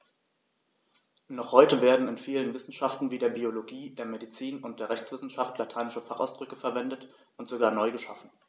Noch heute werden in vielen Wissenschaften wie der Biologie, der Medizin und der Rechtswissenschaft lateinische Fachausdrücke verwendet und sogar neu geschaffen.